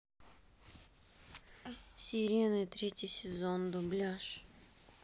сирены третий сезон дубляж